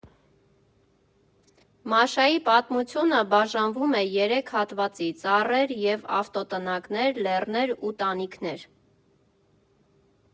Մաշայի պատմությունը բաժանվում է երեք հատվածի՝ ծառեր և ավտոտնակներ, լեռներ ու տանիքներ։